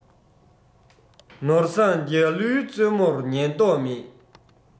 ནོར བཟང རྒྱ ལུའི བཙུན མོར ཉན མདོག མེད